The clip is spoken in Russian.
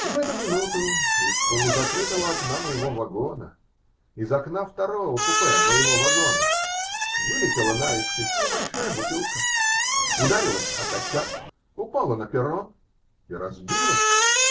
И в эту минуту из полузакрытого окна моего вагона, из окна второго купе моего вагона, вылетела наискось небольшая бутылка, ударилась о косяк, упала на перрон и разбилась.